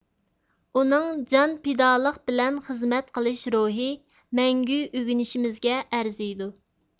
ئۇنىڭ جان پىدالىق بىلەن خىزمەت قىلىش روھى مەڭگۈ ئۆگىنىشىمىزگە ئەرزىيدۇ